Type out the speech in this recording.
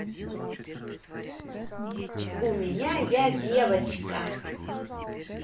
у меня я девочка